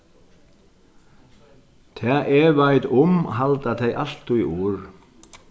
tað eg veit um halda tey altíð orð